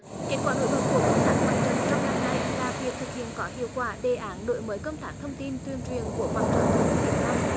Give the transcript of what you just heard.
kết quả nổi bật của công tác mặt trận trong năm nay là việc thực hiện có hiệu quả đề án đổi mới công tác thông tin tuyên truyền của mặt trận tổ quốc việt nam